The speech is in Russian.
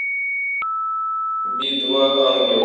би два ангелы